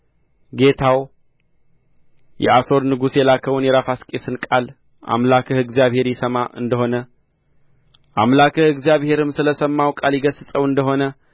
ጌታው የአሦር ንጉሥ የላከውን የራፋስቂስን ቃል አምላክህ እግዚአብሔር ይሰማ እንደ ሆነ አምላክህ እግዚአብሔር ስለ ሰማው ቃል ይገሥጸው እንደ ሆነ